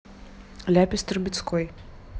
ляпис трубецкой